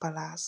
palaas